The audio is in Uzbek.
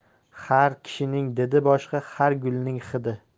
har kishining didi boshqa har gulning hidi